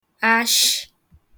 ashị̀